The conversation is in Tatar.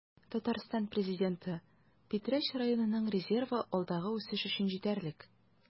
Татарстан Президенты: Питрәч районының резервы алдагы үсеш өчен җитәрлек